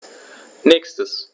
Nächstes.